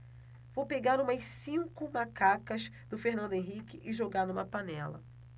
vou pegar umas cinco macacas do fernando henrique e jogar numa panela